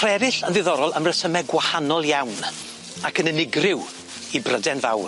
Rhei eryll yn ddiddorol am resyme gwahanol iawn ac yn unigryw i Bryden fawr.